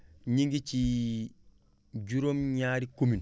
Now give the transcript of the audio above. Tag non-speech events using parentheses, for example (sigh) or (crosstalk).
ñi ngi ci (hesitation) juróom(ñaari communes